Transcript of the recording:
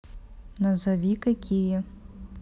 назови какие